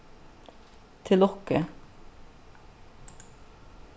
til lukku